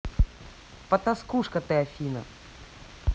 потаскушка ты афина